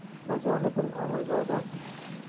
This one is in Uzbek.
bajonidil amirzodam